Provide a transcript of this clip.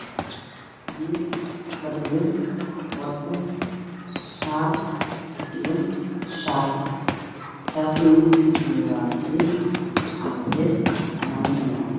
Meeshan waxa iga muuqda nin gar dheer oo u eg g kooxda al-shabaab oo ciidamada xiran